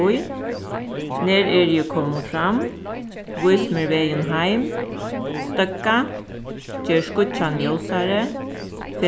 bý nær eri eg komin fram vís mær vegin heim støðga ger skíggjan ljósari